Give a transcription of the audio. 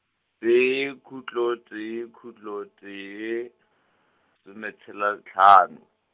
tee, khutlo, tee, khutlo, tee, some tsela hlano.